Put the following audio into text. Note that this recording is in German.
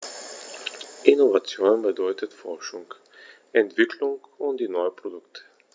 Innovation bedeutet Forschung, Entwicklung und neue Produkte.